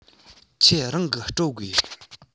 ཁྱེད རང གི སྤྲོད དགོས